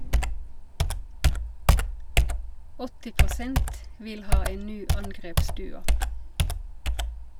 80 prosent vil ha en ny angrepsduo.